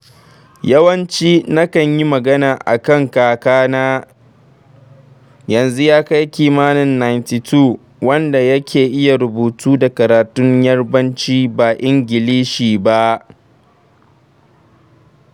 Yawanci nakan yi magana a kan kakana ( yanzu ya kai kimanin 92), wanda yake iya rubutu da karatun Yarbanci ba Ingilishi ba.